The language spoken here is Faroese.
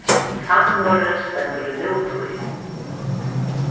sagnorðið stendur í nútíð